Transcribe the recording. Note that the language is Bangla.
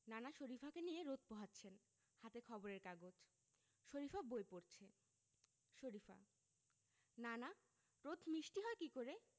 নানা শরিফাকে নিয়ে রোদ পোহাচ্ছেন হাতে খবরের কাগজ শরিফা বই পড়ছে শরিফা নানা রোদ মিষ্টি হয় কী করে